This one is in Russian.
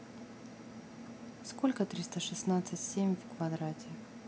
сколько триста шестьдесят семь в квадрате